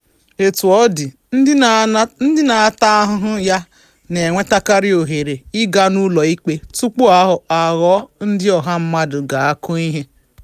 Etu ọ dị, ndị a na-ata ahụhụ ya na-enwetakarị ohere ịga n'ụlọikpe tupu ha aghọọ ndị ọha mmadụ ga-akụ ihe.